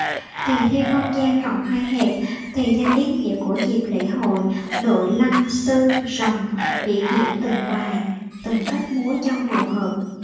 tùy theo không gian rộng hay hẹp tùy theo ý nghĩa của dịp lễ hội đội lân sư rồng biểu diễn từng bài từng cách múa cho phù hợp